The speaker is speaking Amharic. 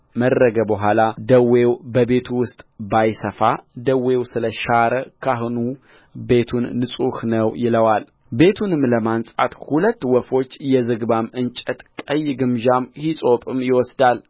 መረገ በኋላ ደዌው በቤቱ ውስጥ ባይሰፋ ደዌው ስለ ሻረ ካህኑ ቤቱን ንጹሕ ነው ይለዋልቤቱንም ለማንጻት ሁለት ወፎች የዝግባም እንጨት ቀይ ግምጃም ሂሶጵም ይወስዳል